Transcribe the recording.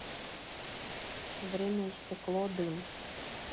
время и стекло дым